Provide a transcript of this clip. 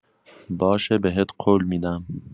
باشه بهت قول می‌دم.